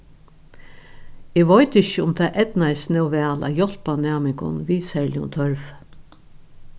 eg veit ikki um tað eydnaðist nóg væl at hjálpa næmingum við serligum tørvi